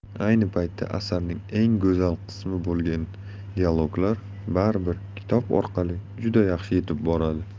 ayni paytda asarning eng go'zal qismi bo'lgan dialoglar baribir kitob orqali juda yaxshi yetib boradi